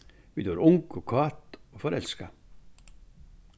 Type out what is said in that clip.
vit vóru ung og kát og forelskað